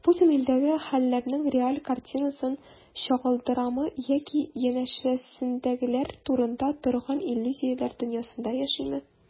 Путин илдәге хәлләрнең реаль картинасын чагылдырамы яки янәшәсендәгеләр тудыра торган иллюзияләр дөньясында яшиме?